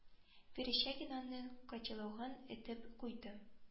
Верещагин аның котелогын этеп куйды